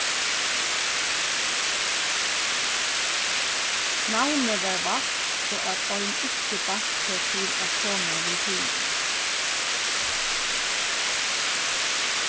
navnið varð valt so at ein ikki bant seg til at koma við tíðindum